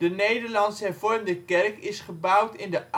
Nederlands-hervormde kerk is gebouwd in de